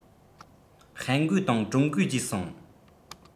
ཧན གོའི དང ཀྲུང གོའི ཅེས གསུང